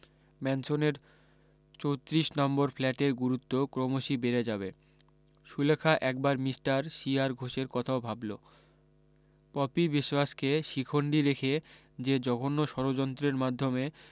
ম্যানসনের চোত্রিশ নম্বর ফ্ল্যাটের গুরুত্ব ক্রমশি বেড়ে যাবে সুলেখা একবার মিষ্টার আর সি ঘোষের কথাও ভাবলো পপি বিশোয়াসকে শিখন্ডী রেখে যে জঘন্য ষড়যন্ত্রের মাধ্যমে